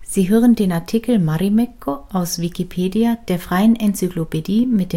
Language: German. Sie hören den Artikel Marimekko, aus Wikipedia, der freien Enzyklopädie. Mit